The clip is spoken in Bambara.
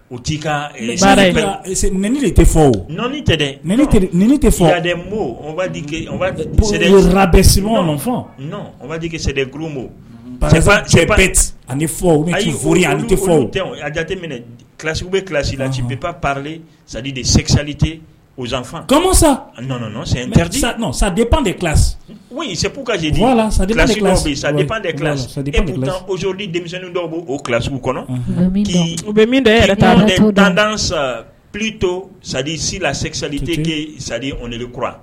U t' ka de tɛ fɔ tɛ tɛbobe fɔke sɛ gbote ani fɔ a ani tɛ a jateminɛ kilasiw bɛ kilasi lasebep pa sa de sɛsali tɛfa sa sadi pan dela o se ka sa sa tɛlazoli denmisɛnnin dɔw b bɛ o kilasiw kɔnɔ k' u bɛ minta tantan sa p to sadisi la sɛsali tɛ kɛ sadi o de kura